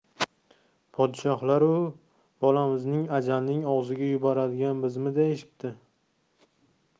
podsholaru bolamizni ajalning og'ziga yuboradigan bizmi deyishibdi